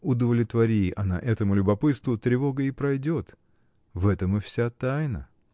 Удовлетвори она этому любопытству, тревога и пройдет. В этом и вся тайна.